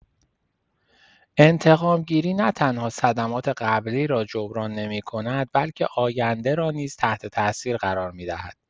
انتقام‌گیری نه‌تنها صدمات قبلی را جبران نمی‌کند، بلکه آینده را نیز تحت‌تاثیر قرار می‌دهد.